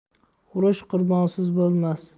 urush qurbonsiz bo'lmas